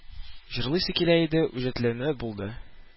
Җырлыйсы килә иде, үҗәтләнүе булды